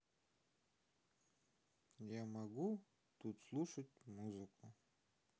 я могу тут слушать музыку